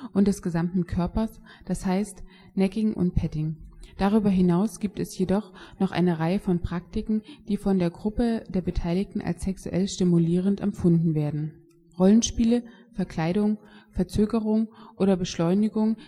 und des gesamten Körpers, d.h. Necking und Petting. Darüber hinaus gibt es jedoch noch eine Reihe von Praktiken, die von der Gruppe der Beteiligten als sexuell stimulierend empfunden werden: Rollenspiele, Verkleidungen, Verzögerungen oder Beschleunigungen